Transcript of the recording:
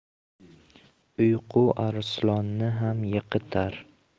uyqu arslonni ham yiqitar